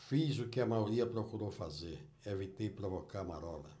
fiz o que a maioria procurou fazer evitei provocar marola